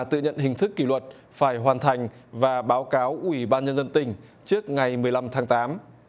tự nhận hình thức kỷ luật phải hoàn thành và báo cáo ủy ban nhân dân tỉnh trước ngày mười lăm tháng tám